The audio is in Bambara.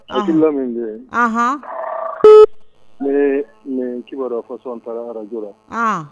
An lamɛn min bɛ yen kiba fasosɔn taara arajo la